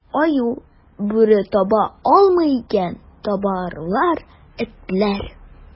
Аю, бүре таба алмый икән, табарлар этләр.